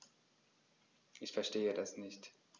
Ich verstehe das nicht.